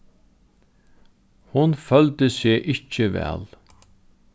hon føldi seg ikki væl